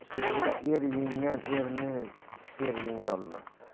sherni er yengar erni sher yengolmas